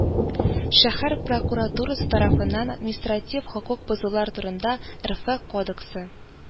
Шәһәр прокуратурасы тарафыннан Административ хокук бозулар турында РФ кодексы